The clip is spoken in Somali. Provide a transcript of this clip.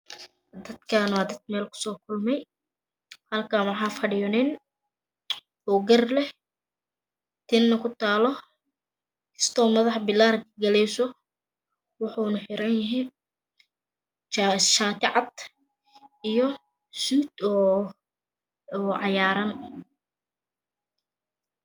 Dadkaani waa dad meel ku Soo wada kulmi halkaani waxa fadhiyo nin oo gar leh tinna ku taalo tis-too madaxa bigaar ka galeyso wuxuuna xeran yahay jaa shaati cad iyo shuud oo cayaaran